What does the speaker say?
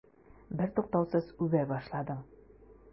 Бертуктаусыз үбә башладың.